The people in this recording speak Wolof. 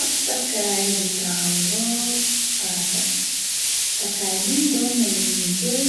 Ab takaay bu taaru lool tarafet takaay. Bi doon na lañuy jël